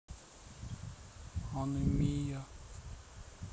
анемия